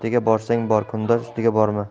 bor kundosh ustiga borma